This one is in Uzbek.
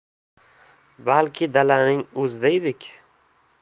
balki dalaning o'zida edik